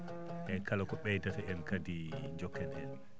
eeyi kala ko ɓeydata en kadi njokken heen